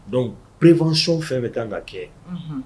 Donc fɛn fɛn ka kan ka kɛ